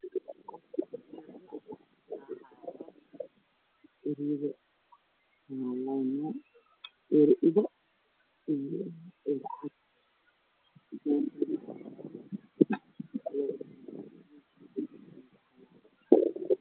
Waxaa ii muuqda daaqaya hoos ka dhankoodu yahay caddaan madow cagaar